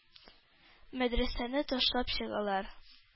Мәдрәсәне ташлап чыгалар.